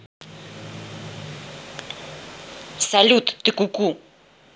салют ты ку ку